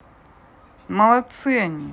молодцы они